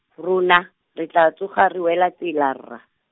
rona, re tla tsoga re wela tsela rra.